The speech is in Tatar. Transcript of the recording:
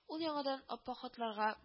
Ул, яңадан ап-ак хатларга